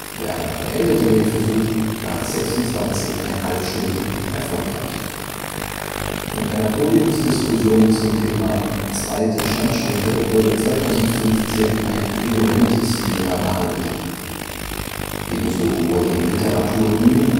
Werner beendete den Versuch nach 26,5 Stunden erfolgreich. Mit einer Podiumsdiskussion zum Thema Zweite Stammstrecke wurde 2015 ein virulentes Thema behandelt. Ebenso wurden Literaturbühnen